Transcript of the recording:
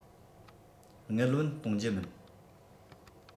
དངུལ བུན གཏོང རྒྱུ མིན